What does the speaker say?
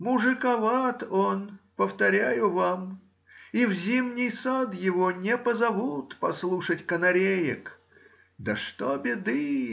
Мужиковат он, повторяю вам, и в зимний сад его не позовут послушать канареек, да что беды!